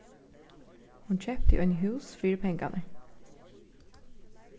hon keypti eini hús fyri pengarnar